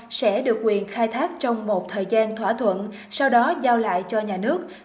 sẽ được quyền khai thác trong một thời gian thỏa thuận sau đó giao lại cho nhà nước